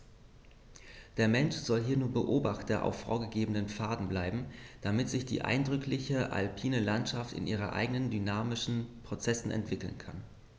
Der Mensch soll hier nur Beobachter auf vorgegebenen Pfaden bleiben, damit sich die eindrückliche alpine Landschaft in ihren eigenen dynamischen Prozessen entwickeln kann.